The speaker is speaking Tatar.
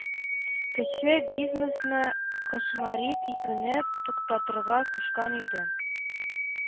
Кече бизнесны “кошмарить итүне” туктатырга кушкан иде